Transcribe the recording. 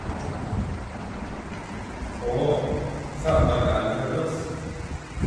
Åh, Sædberg er litt nervøs.